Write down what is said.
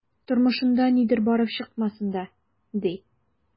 Тормышында нидер барып чыкмасын да, ди...